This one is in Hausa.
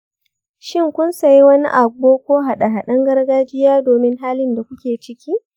shin kun sayi wani agbo ko haɗe-haɗen gargajiya domin halin da kuke ciki?